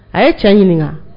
A ye cɛ ɲininka